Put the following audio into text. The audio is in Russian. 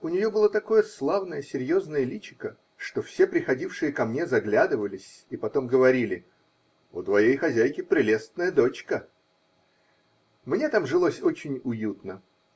У нее было такое славное серьезное личико, что все приходившие ко мне заглядывались и потом говорили: -- У твоей хозяйки прелестная дочка. Мне там жилось очень уютно.